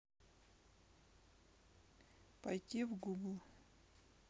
пойти в google